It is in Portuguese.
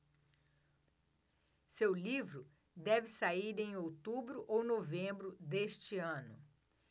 seu livro deve sair em outubro ou novembro deste ano